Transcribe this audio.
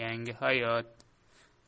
yangi hayot